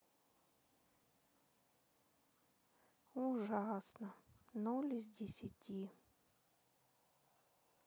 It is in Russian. ужасно ноль из десяти